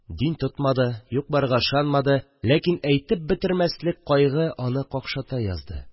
Дин тотмады, юк-барга ышанмады, ләкин әйтеп бетермәслек кайгы аны какшата язды